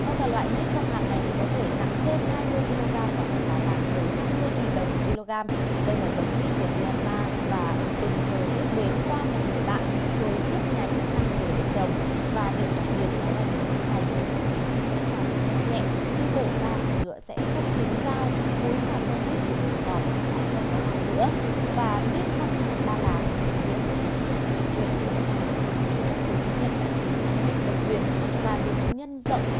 vâng và loại mít không hạt này thì có thể nặng trên hai mươi ki lô gam và có giá bán tới năm mươi nghìn đồng một ki lô gam đây là giống mít của mi an ma và ông tình cờ biết đến qua một người bạn rồi chiết nhánh mang về để trồng và điểm đặc biệt đó là giống mít này khi mà chín thì sẽ tỏa mùi hương nhẹ khi bổ ra thì nhựa sẽ không dính dao múi và xơ mít thì đều ngọt lại không có hạt nữa và mít không hạt ba lán thì hiện được cục sở hữu trí tuệ bộ khoa học và công nghệ cấp giấy chứng nhận đăng ký nhãn hiệu độc quyền và được nhân rộng